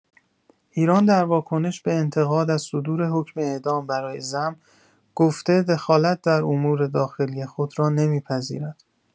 ایران در واکنش به انتقاد از صدور حکم اعدام برای زم گفته دخالت در امور داخلی خود را نمی‌پذیرد.